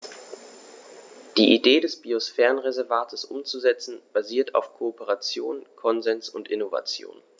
Die Idee des Biosphärenreservates umzusetzen, basiert auf Kooperation, Konsens und Innovation.